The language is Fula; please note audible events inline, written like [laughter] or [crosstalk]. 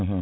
[hesitation] [hesitation]